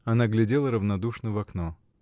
Она глядела равнодушно в окно.